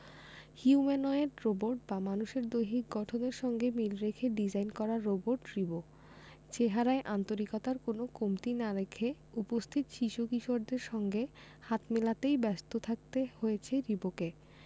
humanoid robot বা মানুষের দৈহিক গঠনের সঙ্গে মিল রেখে ডিজাইন করা রোবট রিবো চেহারায় আন্তরিকতার কোনো কমতি না রেখে উপস্থিত শিশু কিশোরদের সঙ্গে হাত মেলাতেই ব্যস্ত থাকতে হয়েছে রিবোকে